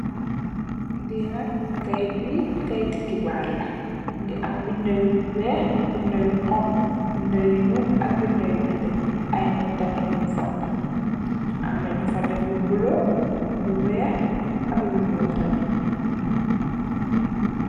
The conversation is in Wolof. Li nak keyet bi keyetti xibaar la. Mungi am bindah yu weex, bindah yu xonxo, bindah yu ñuul ak bindah yu neteh. Ay nit tam nyung fa, amna nyung fa def lu bulah, lu weex ak lu nuül tamit.